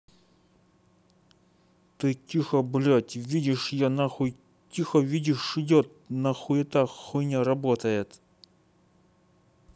ты тихо блядь видишь я нахуй тихо видишь идет на хуета хуйня работает